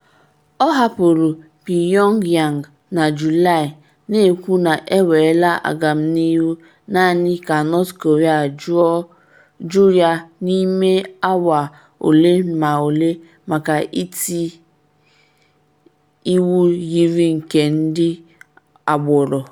Ọ hapụrụ Pyongyang na Julaị na-ekwu na enwela agamnihu, naanị ka North Korea jụ ya n’ime awa ole ma ole maka iti “iwu yiri nke ndị agboro.”